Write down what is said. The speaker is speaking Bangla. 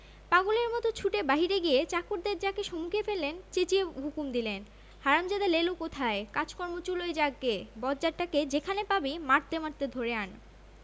পাগলের মত ছুটে বাহিরে গিয়ে চাকরদের যাকে সুমুখে পেলেন চেঁচিয়ে হুকুম দিলেন হারামজাদা লেলো কোথায় কাজকর্ম চুলোয় যাক গে বজ্জাতটাকে যেখানে পাবি মারতে মারতে ধরে আন্